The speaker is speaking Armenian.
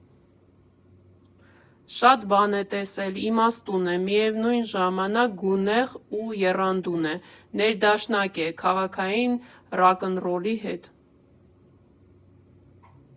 Շատ բան է տեսել, իմաստուն է, միևնույն ժամանակ գունեղ ու եռանդուն է, ներդաշնակ է քաղաքային ռաքնռոլի հետ։